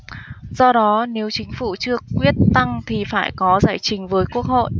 do đó nếu chính phủ chưa quyết tăng thì phải có giải trình với quốc hội